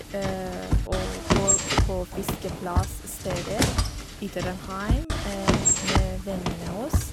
Og går på fiskeplass-steder i Trondheim med vennene oss.